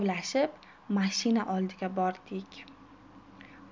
ikkovlashib mashina oldiga bordik